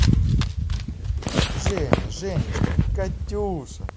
женя женечка катюша